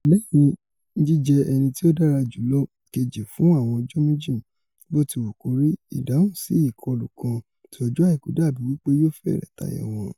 Lẹ́yìn jíjẹ́ ẹnití ó dára júlọ kejì fún àwọn ọjọ́ méjì, botiwukori, ìdáhùnsí-ikọlù kan tí ọjọ́ Àìkú dàbí wí pé yóò fẹ́rẹ̀ tayọ wọn.